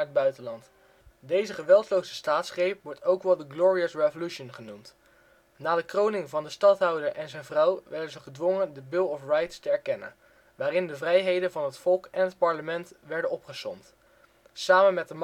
buitenland; deze geweldloze staatsgreep wordt ook wel de Glorious Revolution genoemd. Na de kroning van de stadhouder en zijn vrouw werden ze gedwongen de Bill of Rights te erkennen, waarin de vrijheden van het volk en het parlement werden opgesomd. Samen